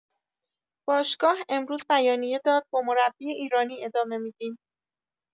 باشگاه امروز بیانیه داد با مربی ایرانی ادامه می‌دیم